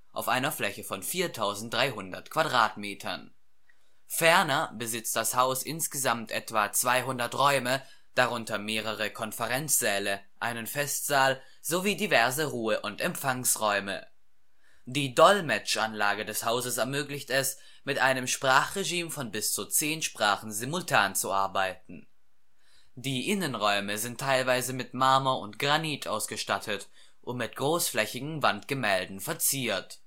auf einer Fläche von 4300 Quadratmetern. Ferner besitzt das Haus insgesamt etwa 200 Räume, darunter mehrere Konferenzsäle, einen Festsaal, sowie diverse Ruhe - und Empfangsräume. Die Dolmetschanlage des Hauses ermöglicht es, mit einem Sprachregime von bis zu zehn Sprachen simultan zu arbeiten. Die Innenräume sind teilweise mit Marmor und Granit ausgestattet und mit großflächigen Wandgemälden verziert